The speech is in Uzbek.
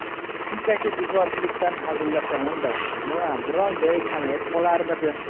shunchaki bekorchilikdan hazillashamanda nima biron joyi kamayib qolarmidi